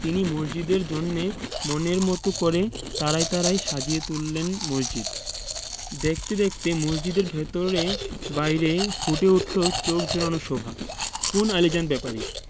তিনি মসজিদের জন্যে মনের মতো করে তারায় তারায় সাজিয়ে তুললেন মসজিদ দেখতে দেখতে মসজিদের ভেতরে বাইরে ফুটে উঠলো চোখ জুড়োনো শোভা কোন আলীজান ব্যাপারী